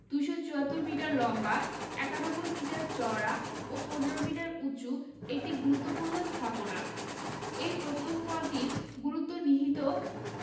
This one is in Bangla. ২৭৪ মিটার লম্বা ৯১ মিটার চওড়া ও ১৫ মিটার উঁচু একটি গুরুত্বপূর্ণ স্থাপনা এই প্রত্নস্থলটির গুরুত্ব নিহিত